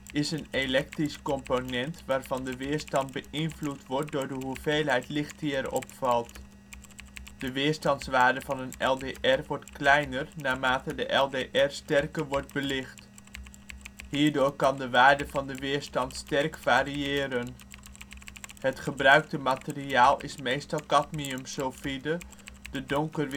is een elektrische component waarvan de weerstand beïnvloed wordt door de hoeveelheid licht die erop valt. De weerstandswaarde van een LDR wordt kleiner, naarmate de LDR sterker wordt belicht. Hierdoor kan de waarde van de weerstand sterk variëren. Het gebruikte materiaal is meestal cadmiumsulfide, de